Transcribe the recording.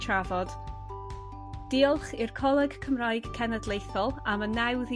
trafod. Diolch i'r Coleg Cymraeg Cenedlaethol am y nawdd i